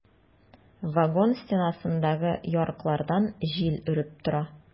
Вагон стенасындагы ярыклардан җил өреп тора.